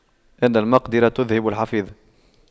إن المقْدِرة تُذْهِبَ الحفيظة